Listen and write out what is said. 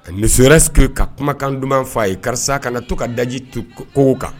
Ka nin siriur ka kumakan duman fɔ a ye karisa ka to ka daji ko kan